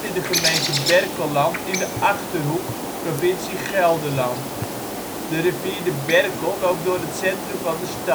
de gemeente Berkelland in de Achterhoek, provincie Gelderland. De rivier de Berkel loopt door het centrum van de stad